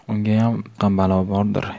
ungayam boqqan balo bordir